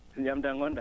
jaam tan ngon?a